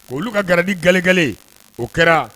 Olu ka garidi gakɛ o kɛra